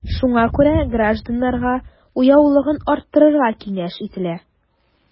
Шуңа күрә гражданнарга уяулыгын арттырыга киңәш ителә.